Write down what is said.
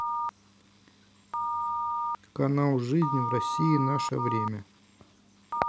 канал жизнь в россии наше время